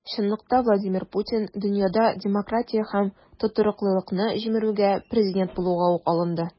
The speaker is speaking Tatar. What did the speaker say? Чынлыкта Владимир Путин дөньяда демократия һәм тотрыклылыкны җимерүгә президент булуга ук алынды.